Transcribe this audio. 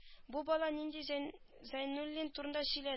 Бу бала нинди зәйнуллин турында сөйләде